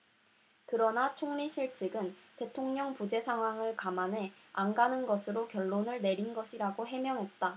그러나 총리실측은 대통령 부재 상황을 감안해 안 가는 것으로 결론을 내린 것이라고 해명했다